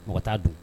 Mɔgɔ t taa dun